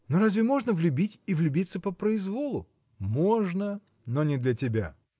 Но разве можно влюбить и влюбиться по произволу? – Можно, но не для тебя.